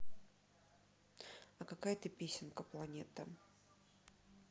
а какая ты песенка планета